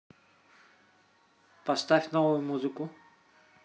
поставь новую музыку